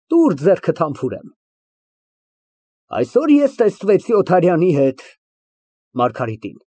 Տուր ձեռքդ համբուրեմ։ Այսօր ես տեսնվեցի Օթարյանի հետ։ (Մարգարիտին)։